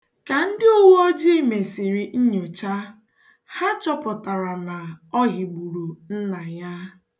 Ka ndị uweojii mesịrị nnyocha, ha chọpụtara na ọ hịgburu nna ya.